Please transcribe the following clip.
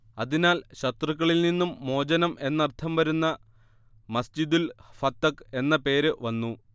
അതിനാൽ ശത്രുക്കളിൽ നിന്നും മോചനം എന്നർത്ഥം വരുന്ന മസ്ജിദുൽ ഫതഹ് എന്ന പേര് വന്നു